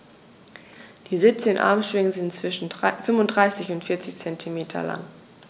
Die 17 Armschwingen sind zwischen 35 und 40 cm lang.